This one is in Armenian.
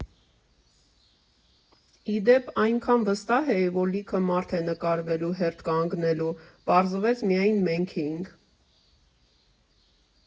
Ի դեպ, այնքան վստահ էի, որ լիքը մարդ է նկարվելու հերթ կանգնելու, պարզվեց միայն մենք էինք։